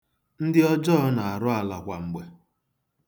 Ndị ọjọọ na-arụ ala kwa mgbe.